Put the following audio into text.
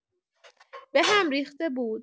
بهم ریخته بود.